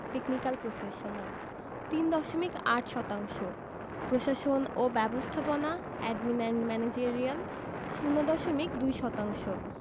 technical professional ৩ দশমিক ৮ শতাংশ প্রশাসন ও ব্যবস্থাপনা এডমিন এন্ড ম্যানেজেরিয়াল ০ দশমিক ২ শতাংশ